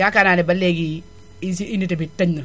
yaakaar naa ne ba léegi uni suñu unité bi tëj na